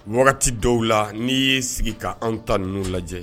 Wagati dɔw la n'i y'i sigi ka anw ta ninnu lajɛ